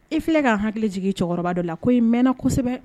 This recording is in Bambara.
I filɛ k ka hakili jigin cɛkɔrɔba dɔ la ko i mɛnna kosɛbɛ